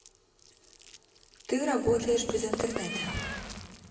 ты работаешь без интернета